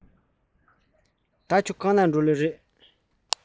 ད ག པར ཕེབས མཁན ཡིན ན